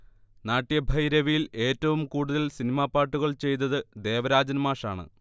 നാട്യഭൈരവിയിൽ ഏറ്റവും കൂടുതൽ സിനിമാ പാട്ടുകൾ ചെയ്തത് ദേവരാജൻ മാഷാണ്